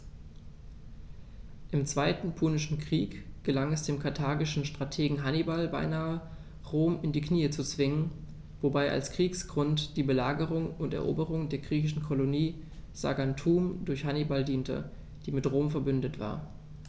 Im Zweiten Punischen Krieg gelang es dem karthagischen Strategen Hannibal beinahe, Rom in die Knie zu zwingen, wobei als Kriegsgrund die Belagerung und Eroberung der griechischen Kolonie Saguntum durch Hannibal diente, die mit Rom „verbündet“ war.